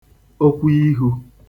okwuihū